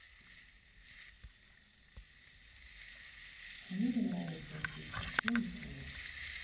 а мне не нравится учиться я не понял